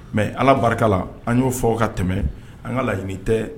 Mɛ ala barika la an y'o fɔw ka tɛmɛ an ka laɲini tɛ